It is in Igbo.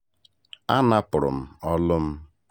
A napụrụ m olu m!